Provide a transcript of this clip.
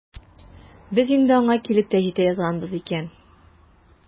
Без инде аңа килеп тә җитә язганбыз икән.